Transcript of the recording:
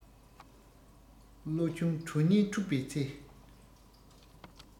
བློ ཆུང གྲོས ཉེས འཁྲུགས པའི ཚེ